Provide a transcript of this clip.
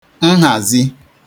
nhazi